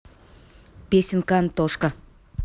песенка антошка